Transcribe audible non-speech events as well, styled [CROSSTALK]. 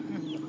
[HESITATION] [HESITATION]